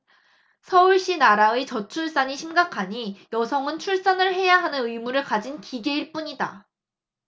서울시나라의 저출산이 심각하니 여성은 출산을 해야 하는 의무를 가진 기계일 뿐이다